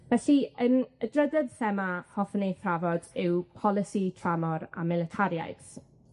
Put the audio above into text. Felly, yn y drydydd thema hoffwn ei thrafod yw polisi tramor a militariaeth.